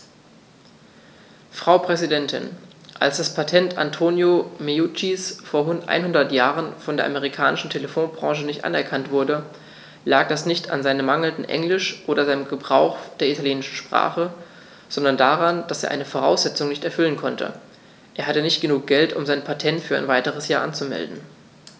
Frau Präsidentin, als das Patent Antonio Meuccis vor einhundert Jahren von der amerikanischen Telefonbranche nicht anerkannt wurde, lag das nicht an seinem mangelnden Englisch oder seinem Gebrauch der italienischen Sprache, sondern daran, dass er eine Voraussetzung nicht erfüllen konnte: Er hatte nicht genug Geld, um sein Patent für ein weiteres Jahr anzumelden.